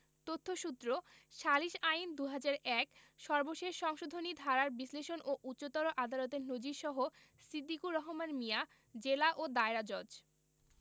তথ্যসূত্র সালিস আইন ২০০১ সর্বশেষ সংশোধনী ধারার বিশ্লেষণ ও উচ্চতর আদালতের নজীর সহ ছিদ্দিকুর রহমান মিয়া জেলা ও দায়রা জজ